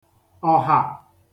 ọhà